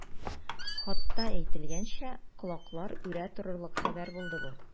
Хатта әйтелгәнчә, колаклар үрә торырлык хәбәр булды бу.